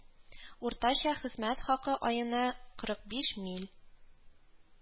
Уртача хезмәт хакы аена кырык биш мил